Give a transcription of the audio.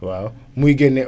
waaw muy génne